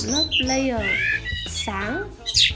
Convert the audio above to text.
tạo một lớp layer sáng